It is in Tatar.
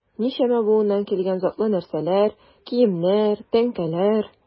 Ничәмә буыннан килгән затлы нәрсәләр, киемнәр, тәңкәләр...